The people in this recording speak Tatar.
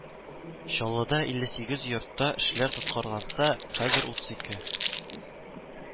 Чаллыда илле сигез йортта эшләр тоткарланса, хәзер утыз ике